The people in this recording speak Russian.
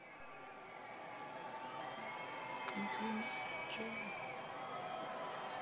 например чем